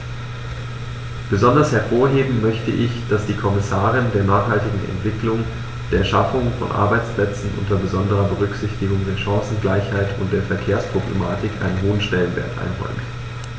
Besonders hervorheben möchte ich, dass die Kommission der nachhaltigen Entwicklung, der Schaffung von Arbeitsplätzen unter besonderer Berücksichtigung der Chancengleichheit und der Verkehrsproblematik einen hohen Stellenwert einräumt.